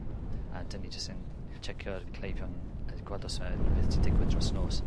A 'dyn ni jyst yn checkio'r cleifion a 'di gweld o's 'n unrywbeth 'di digwydd dros nos.e a plan for getting